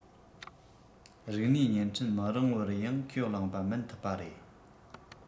རིག ནུས བརྙན འཕྲིན མི རིང བར ཡང ཁས བླངས པ མིན ཐུབ པ རེད